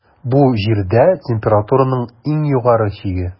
Бу - Җирдә температураның иң югары чиге.